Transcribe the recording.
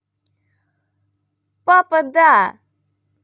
папа да